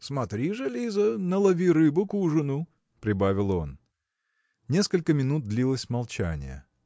– Смотри же, Лиза, налови рыбы к ужину, – прибавил он. Несколько минут длилось молчание.